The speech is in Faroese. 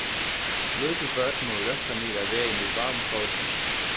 lítil børn mugu røkka niður á vegin við báðum fótunum